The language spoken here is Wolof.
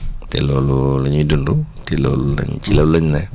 te loolu la ñuy dund te loolu lañ ci loolu lañ ne